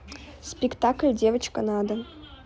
спектакль девочка надо